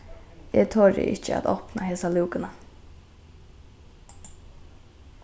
eg tori ikki at opna hesa lúkuna